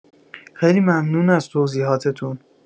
خیلی ممنون از توضیحاتتون